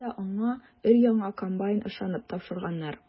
Шуңа да аңа өр-яңа комбайн ышанып тапшырганнар.